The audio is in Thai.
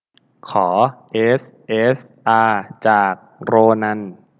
ขอเอสเอสอาจากโรนัน